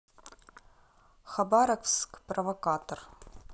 хабаровск провокатор